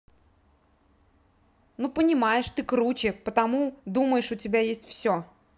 ну понимаешь ты круче потому думаешь у тебя есть все